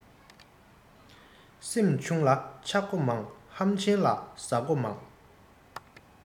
སེམས ཆུང ལ ཆགས སྒོ མང ཧམ ཆེན ལ ཟ སྒོ མང